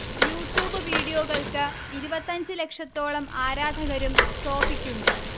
YouTube വീഡിയോകൾക്ക് ഇരുവത്തന്ച് ലക്ഷത്തോളം ആരാധകരും സോഫിക്കുണ്ട്